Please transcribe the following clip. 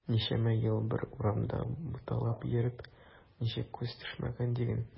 Ничәмә ел бер урамда буталып йөреп ничек күз төшмәгән диген.